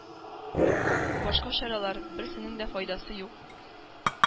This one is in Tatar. Башка чаралар – берсенең дә файдасы юк.